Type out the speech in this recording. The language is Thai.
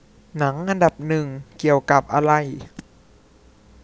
หนังอันดับหนึ่งเกี่ยวกับอะไร